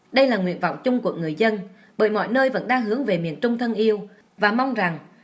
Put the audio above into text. đây là nguyện vọng chung của người dân bởi mọi nơi vẫn đang hướng về miền trung thân yêu và mong rằng